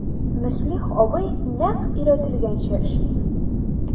Мөслих абый нәкъ өйрәтелгәнчә эшли...